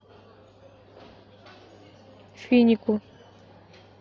финику